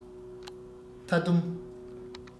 མཐའ བསྡོམས